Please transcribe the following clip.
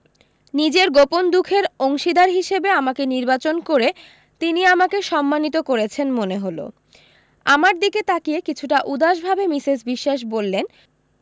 নিজের গোপন দুখের অংশীদার হিসেবে আমাকে নির্বাচন করে তিনি আমাকে সম্মানিত করেছেন মনে হলো আমার দিকে তাকিয়ে কিছুটা উদাসভাবে মিসেস বিশোয়াস বললেন